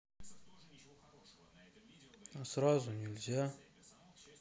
а сразу нельзя